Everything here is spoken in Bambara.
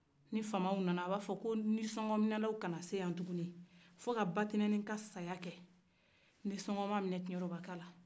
nin famaw nana a b'a fɔ ko ni sɔngɔminɛlaw kana se yan bilen fɔ ka batɛnɛni ka saya kɛ ni sɔngɔn ma minɛ kiɲɛrɔbaka la